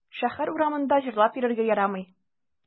Шәһәр урамында җырлап йөрергә ярамый.